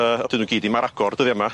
Yy a 'dyn nw gyd ddim ar agor dyddia' 'ma.